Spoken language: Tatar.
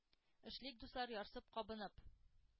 Эшлик, дуслар, ярсып, кабынып,